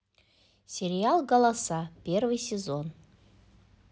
сериал голоса первый сезон